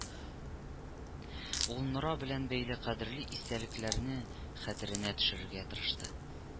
Ул Нора белән бәйле кадерле истәлекләрне хәтеренә төшерергә тырышты